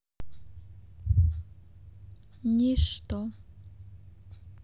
ничто